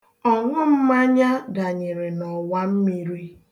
Ọṅụmmanya danyere n'ọwa mmiri